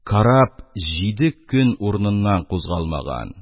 Караб җиде көн урыныннан кузгалмаган,